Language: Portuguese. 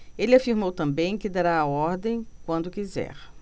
ele afirmou também que dará a ordem quando quiser